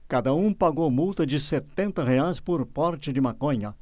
cada um pagou multa de setenta reais por porte de maconha